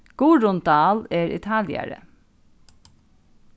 guðrun dahl er italiari